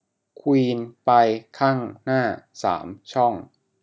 ควีนไปข้างหน้าสามช่อง